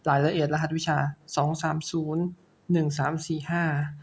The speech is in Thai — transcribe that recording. รายละเอียดรหัสวิชาสองสามศูนย์หนึ่งสามสี่ห้า